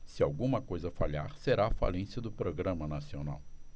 se alguma coisa falhar será a falência do programa nacional